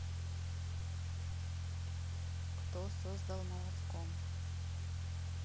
кто создал молотком